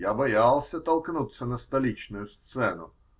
Я боялся толкнуться на столичную сцену